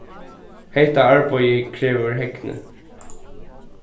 hetta arbeiðið krevur hegni